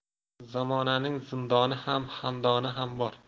zamonaning zindoni ham xandoni ham bor